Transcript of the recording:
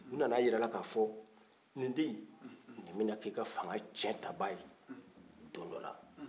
u nana jira a la k'a fɔ nin den in nin bɛ na kɛ i ka fanga tiɲɛ tabaa ye don dɔ la